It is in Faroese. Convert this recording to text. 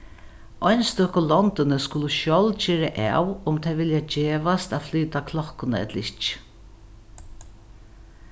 einstøku londini skulu sjálv gera av um tey vilja gevast at flyta klokkuna ella ikki